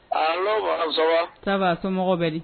A lɔsɔ taa so mɔgɔ bɛ